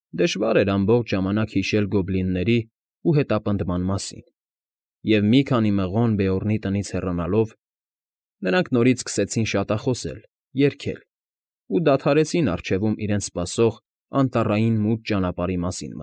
Դժվար էր ամբողջ ժամանակ հիշել գոբլինների ու հետապնդման մասին, և, մի քանի մղոն Բեորնի տնից հեռանալով, նրանք նորից սկսեցին շատախոսել, երգել ու դադարեցին առջևում իրենց սպասող անտառային մութ ճանապարհի մասին։